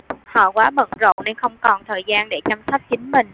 họ quá bận rộn nên không còn thời gian để chăm sóc chính mình